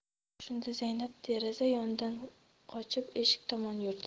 shunda zaynab deraza yonidan qochib eshik tomon yurdi